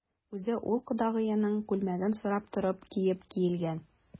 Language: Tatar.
Үзе ул кодагыеның күлмәген сорап торып киеп килгән.